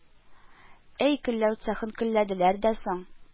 Әй, көлләү цехын көлләделәр дә соң